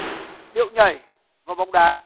điệu nhảy và bóng đá